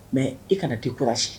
Mais i kana décourager